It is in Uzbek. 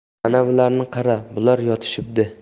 manavilarni qara bular yotishibdi